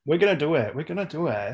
We're gonna do it, we're gonna do it.